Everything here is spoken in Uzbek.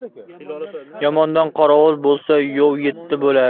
yomondan qorovul bo'lsa yov yetti bo'lar